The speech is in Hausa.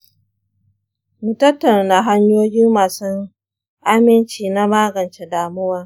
mu tattauna hanyoyi masu aminci na magance damuwa.